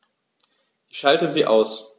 Ich schalte sie aus.